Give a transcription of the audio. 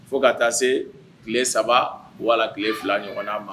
Fo ka taa se tile 3 wala tile 2 ɲɔgɔna ma.